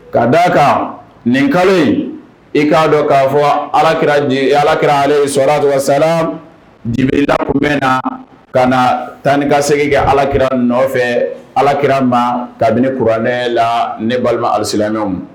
K' d da a kan nin kalo in i k'a dɔn k'a fɔ alaki alakirare sɔra dɔgɔtɔrɔsa jeli la tun bɛ na ka na tan ka segin kɛ alakira nɔfɛ alakira ma kabini kuranɛ la ne balima alisilamɛ